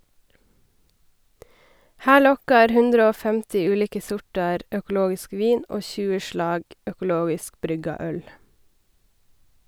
Her lokkar 150 ulike sortar økologisk vin og 20 slag økologisk brygga øl.